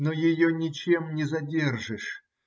Но ее ничем не задержишь.